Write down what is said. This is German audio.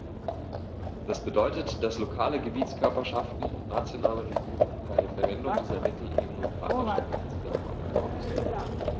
Das bedeutet, dass lokale Gebietskörperschaften und nationale Regierungen bei der Verwendung dieser Mittel eng und partnerschaftlich zusammenarbeiten müssen.